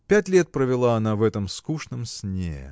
Пять лет провела она в этом скучном сне